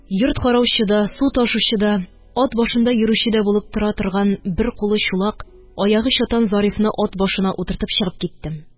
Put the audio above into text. Йорт караучы да, су ташучы да, ат башында йөрүче дә булып тора торган, бер кулы чулак, аягы чатан Зарифны ат башына утыртып чыгып киттем